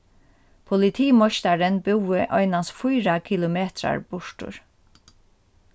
politimeistarin búði einans fýra kilometrar burtur